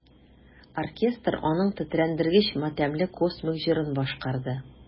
Оркестр аның тетрәндергеч матәмле космик җырын башкарды.